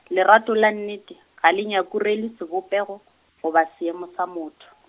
lerato la nnete, ga le nyakurele sebopego, goba seemo sa motho.